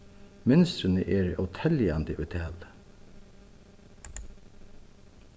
mynstrini eru óteljandi í tali